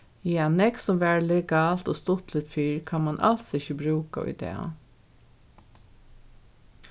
ja nógv sum var legalt og stuttligt fyrr kann mann als ikki brúka í dag